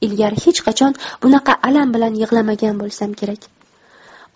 ilgari hech qachon bunaqa alam bilan yig'lamagan bo'lsam kerak